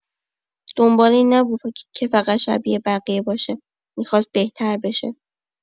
دنبال این نبود که فقط شبیه بقیه باشه، می‌خواست بهتر بشه.